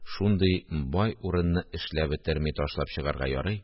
Шундый бай урынны эшләп бетерми ташлап чыгарга ярый